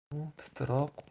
u titroq qo'llari